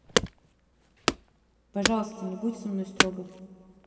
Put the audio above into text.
пожалуйста не будь со мной строго